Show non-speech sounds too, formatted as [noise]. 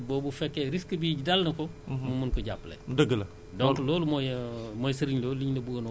ñu ne nañu créer nag loo xam ne dana mun taxaw [breath] ci wetu baykat boobu bu fekkee risque bi dal na ko